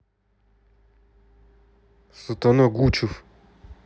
сатана гучев